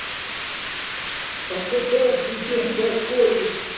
аватар легенда о корре